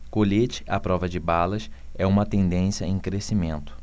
colete à prova de balas é uma tendência em crescimento